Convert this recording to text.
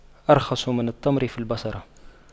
أرخص من التمر في البصرة